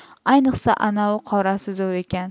ayniqsa anavi qorasi zo'r ekan